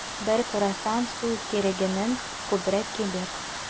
Бер карасаң, су кирәгеннән күбрәк кебек: